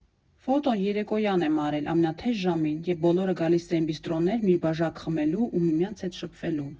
Ֆոտոն երեկոյան եմ արել, ամենաթեժ ժամին, երբ բոլորը գալիս էին բիստրոներ մի բաժակ խմելու ու միմյանց հետ շփվելու։